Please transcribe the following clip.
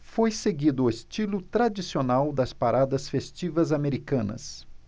foi seguido o estilo tradicional das paradas festivas americanas